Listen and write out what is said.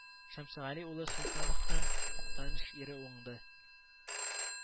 Шәмсегали улы Солтановтан Актаныш ире уңды